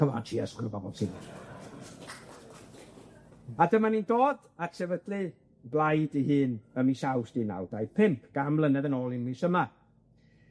C'mon, cheers gin y bobol sy'n... . A dyma ni'n dod at sefydlu blaid 'i hun ym mis Awst un naw dau pump, gan mlynedd yn ôl i'r mis yma.